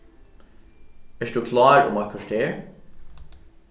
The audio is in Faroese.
ert tú klár um eitt korter